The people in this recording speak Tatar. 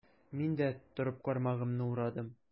Мин дә, торып, кармагымны урадым.